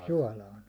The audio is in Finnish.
suolaan